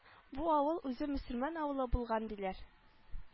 Бу авыл үзе мөселман авылы булган диләр